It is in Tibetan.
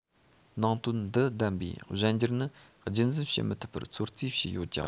ནང དོན འདི ལྡན པའི གཞན འགྱུར ནི རྒྱུད འཛིན བྱེད མི ཐུབ པར ཚོད རྩིས བྱས ཡོད ཀྱང